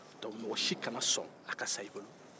donc mɔgɔ si kana sɔn a ka sa i bolo